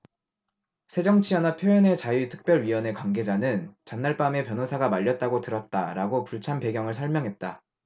새정치연합 표현의자유특별위원회 관계자는 전날 밤에 변호사가 말렸다고 들었다라고 불참 배경을 설명했다